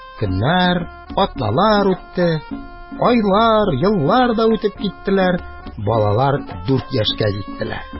Көннәр, атналар үтте, айлар, еллар да үтеп киттеләр, балалар дүрт яшькә җиттеләр.